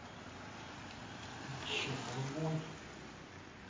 ты че голубой